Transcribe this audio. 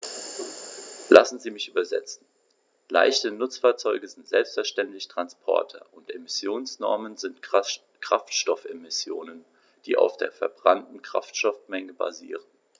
Lassen Sie mich übersetzen: Leichte Nutzfahrzeuge sind selbstverständlich Transporter, und Emissionsnormen sind Kraftstoffemissionen, die auf der verbrannten Kraftstoffmenge basieren.